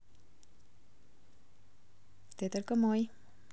ты только мой